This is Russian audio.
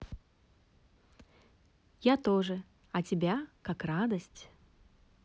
я тоже а тебя как радость